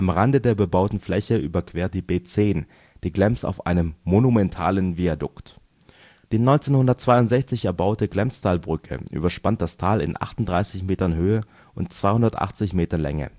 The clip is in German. Rande der bebauten Fläche überquert die B10 die Glems auf einem monumentalen Viadukt. Die 1962 erbaute Glemstalbrücke überspannt das Tal in 38 Metern Höhe und 280 Metern Länge